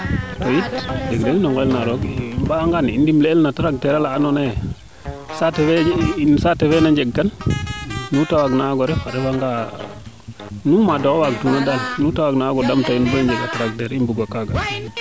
te yiy no ngel na roog i mbang anga ndimle el i ndimle el na tracteur ola ando naye saate fe na njeg kan nuute waag na waago ref a refa nga nu maad oxe waag tuuna daal nuute waag na waago dam tina in bo i mbaago njeg a tracteur i mbuga kaaga